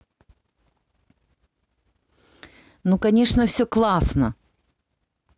ну конечно все классно